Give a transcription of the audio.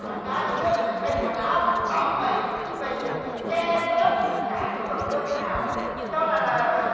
con gái con nứa người ta thay quần áo mày phải bảo thầy chứ mày cứ che với lấp thầy chả hiểu đầu đuôi thế nào thế cháu là là